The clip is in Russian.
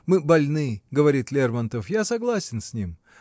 Мы больны, говорит Лермонтов, -- я согласен с ним